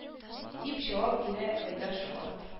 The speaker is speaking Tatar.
Дип җавап бирә айдаш карт